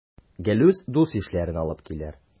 Гелүс дус-ишләрен алып килер.